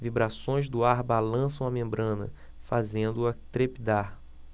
vibrações do ar balançam a membrana fazendo-a trepidar